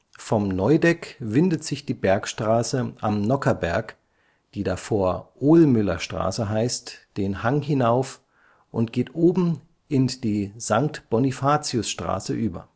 Vom Neudeck windet sich die Bergstraße Am Nockherberg, die davor Ohlmüllerstraße heißt, den Hang hinauf, und geht oben in die Sankt-Bonifatius-Straße über